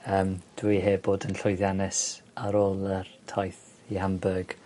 Yym dwi heb bod yn llwyddiannus ar ôl yr taith i Hamburg.